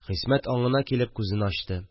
Хисмәт аңына килеп күзен ачты